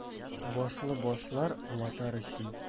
Башлы башлар — ватар өчен!